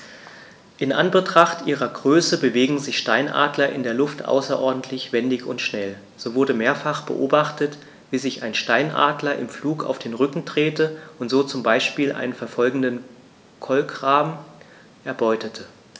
In Anbetracht ihrer Größe bewegen sich Steinadler in der Luft außerordentlich wendig und schnell, so wurde mehrfach beobachtet, wie sich ein Steinadler im Flug auf den Rücken drehte und so zum Beispiel einen verfolgenden Kolkraben erbeutete.